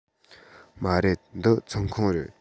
མ རེད འདི ཚོང ཁང རེད